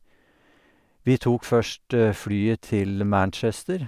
Vi tok først flyet til Manchester.